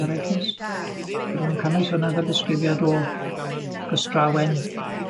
beryglus, bydden nw'n cynnwys hwnna fel ddisgrifiad o gystrawen